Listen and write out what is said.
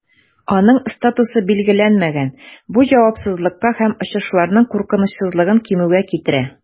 Аның статусы билгеләнмәгән, бу җавапсызлыкка һәм очышларның куркынычсызлыгын кимүгә китерә.